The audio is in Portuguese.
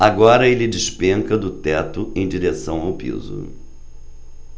agora ele despenca do teto em direção ao piso